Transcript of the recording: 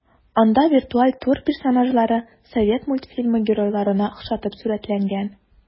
Анда виртуаль тур персонажлары совет мультфильмы геройларына охшатып сурәтләнгән.